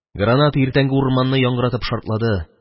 Граната иртәнге урманны яңгыратып шартлады.